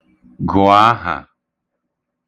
gụ̀ ahà